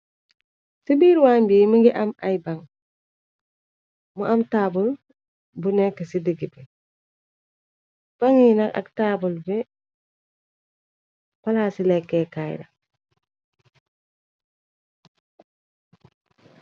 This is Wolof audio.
Ci biir wan byi mi ngi am ay baŋ mu am taabul bu nekk ci digg bi. Bangyi na ak taabul bi palaas ci lekkée kaay la.